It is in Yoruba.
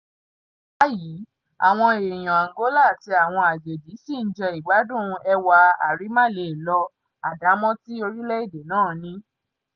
Báyìí, àwọn èèyàn Angola àti àwọn àjèjì sì ń jẹ ìgbádùn ẹwà àrímáleèlọ àdámọ́ tí orílẹ̀-èdè náà ní.